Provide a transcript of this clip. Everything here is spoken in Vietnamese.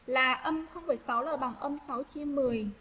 là là bằng chia